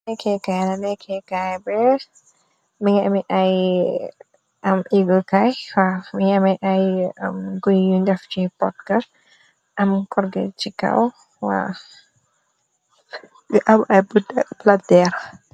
Lekeh kai la lekeh kai bi mungi aye ibbee kai mungi am aye guye yun def si pot ka am corget si kaw am aye palanter